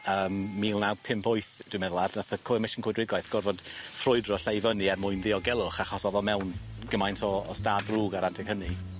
yym mil naw pump wyth dwi'n meddwl a' nath y coemission coedwigwaeth gorfod ffrwydro lle i fyny er mwyn ddiogelwch achos o'dd o mewn gymaint o o stad drwg yr adeg hynny.